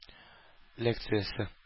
Лекциясе